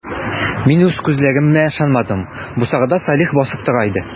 Мин үз күзләремә ышанмадым - бусагада Салих басып тора иде.